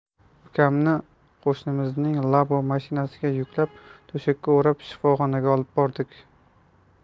ukamni qo'shnimizning 'labo' mashinasiga yuklab to'shakka o'rab shifoxonaga olib bordik